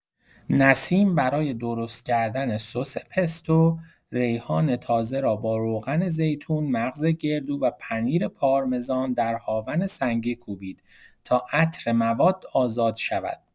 نسیم برای درست‌کردن سس پستو، ریحان تازه را با روغن‌زیتون، مغز گردو و پنیر پارمزان در هاون سنگی کوبید تا عطر مواد آزاد شود.